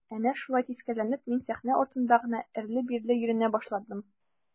Әнә шулай тискәреләнеп мин сәхнә артында гына әрле-бирле йөренә башладым.